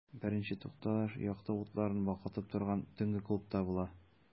Беренче тукталыш якты утларын балкытып торган төнге клубта була.